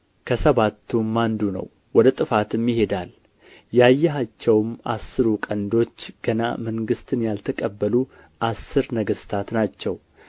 ከሰባቱም አንዱ ነው ወደ ጥፋትም ይሄዳል ያየሃቸውም አስሩ ቀንዶች ገና መንግሥትን ያልተቀበሉ አስር ነገሥታት ናቸው